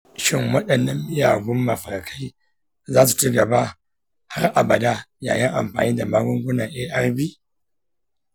shin waɗannan miyagun mafarkai za su ci gaba har abada yayin amfani da maganin arv?